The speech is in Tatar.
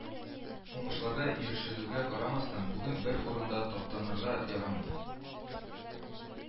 Уңышларга ирешелүгә карамастан, бүген бер урында таптанырга ярамый